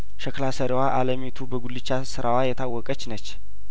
ሸክላ ሰሪዋ አለሚቱ በጉልቻ ስራዋ የታወቀች ነች